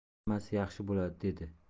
hammasi yaxshi bo'ladi dedi